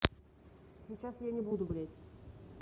сейчас я не буду блядь